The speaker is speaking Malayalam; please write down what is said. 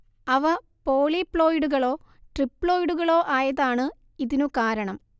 അവ പോളിപ്ലോയിഡുകളോ ട്രിപ്ലോയിടുകളോ ആയതാണ് ഇതിനു കാരണം